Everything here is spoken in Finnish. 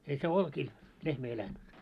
ei se oljilla lehmä elänyt